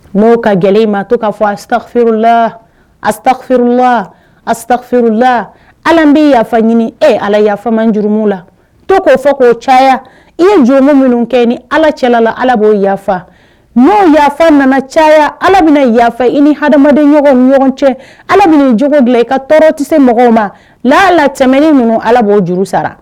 Mɔgɔw ka gɛlɛn ma to'a fɔ a safla atafla afla ala bɛ yafa ɲini e ala yafa manj la to k'o fɔ k'o caya i ye jo min minnu kɛ ni ala cɛlala ala b'o yafa maaw yafa nana caya ala bɛna yafa i ni ha adamaden ɲɔgɔn ni ɲɔgɔn cɛ ala bɛ cogo bila i ka tɔɔrɔ tɛ se mɔgɔw ma lalanin ninnu ala b'o juru sara